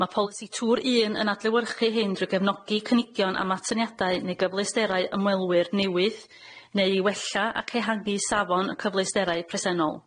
Ma' polisi Twr un yn adlewyrchu hyn drwy gefnogi cynigion am atyniadau neu gyfleusterau ymwelwyr newydd neu i wella ac ehangu safon y cyfleusterau presennol.